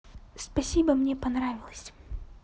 спасибо мне понравилось